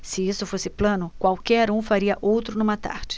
se isso fosse plano qualquer um faria outro numa tarde